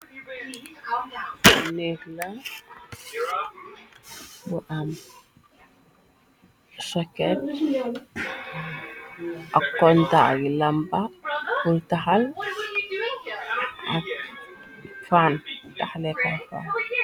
Neglan bu am shoket, ak xontagi lambax bultaxal, ak faan taxle xonfan.